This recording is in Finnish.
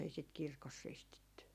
ei sitä kirkossa ristitty